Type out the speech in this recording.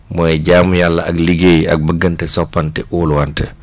mooy jaamu yàlla ak liggéeyi ak bëggante soppante óoluwante